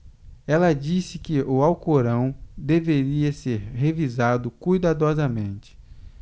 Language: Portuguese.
ela disse que o alcorão deveria ser revisado cuidadosamente